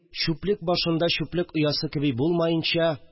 Чүплек башында чүплек оясы кеби булмаенча